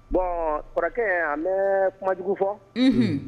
Bɔn kɔrɔkɛ an bɛ kumajugu fɔ